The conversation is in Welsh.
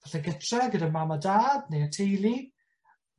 Falle gytre gyda mam a dad neu y teulu?